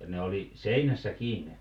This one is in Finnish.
ja ne oli seinässä kiinni